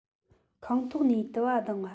ཁང ཐོག ནས དུ བ ལྡང བ